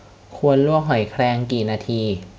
ควรลวกหอยแครงกี่นาที